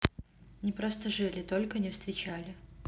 не просто жили только не встречали